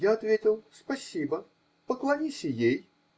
Я ответил: -- Спасибо, поклонись и ей.